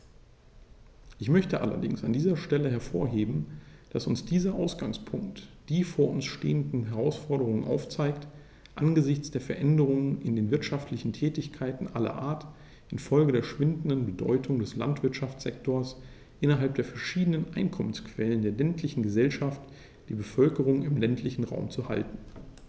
Ich möchte allerdings an dieser Stelle hervorheben, dass uns dieser Ausgangspunkt die vor uns stehenden Herausforderungen aufzeigt: angesichts der Veränderungen in den wirtschaftlichen Tätigkeiten aller Art infolge der schwindenden Bedeutung des Landwirtschaftssektors innerhalb der verschiedenen Einkommensquellen der ländlichen Gesellschaft die Bevölkerung im ländlichen Raum zu halten.